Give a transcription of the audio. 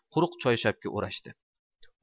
quruq choyshabiga o'rashdi